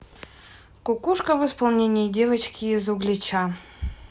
кукушка в исполнении девочки из углича